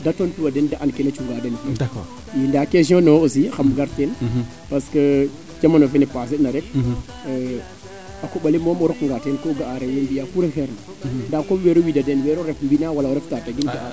de tontu wa den de an keena cunga den nda question ne wo aussi xam gar teen parce que camano fene paase na rek a koɓale moom o roka nga teen ko ga'a rewe mbiya ku refeerna nda koy weero wida den wero ref mbina wala o ref Tataguine